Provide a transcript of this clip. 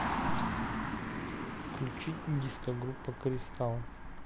включить диско группа кристалл